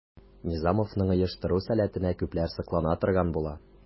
Низамовның оештыру сәләтенә күпләр соклана торган була.